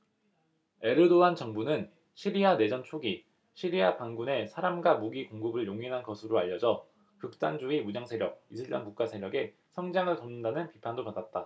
에르도안 정부는 시리아 내전 초기 시리아 반군에 사람과 무기 공급을 용인한 것으로 알려져 극단주의 무장세력 이슬람국가 세력의 성장을 돕는다는 비판도 받았다